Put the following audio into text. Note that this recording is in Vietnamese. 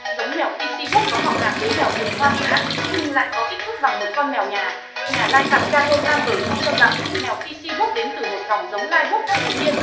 giống mèo pixie bob có họ hàng với mèo rừng hoang dã nhưng lại có kích thước bằng một con mèo nhà nhà lai tạo carol ann brewer cho rằng mèo pixie bob đến từ một dòng giống lai bobcat tự nhiên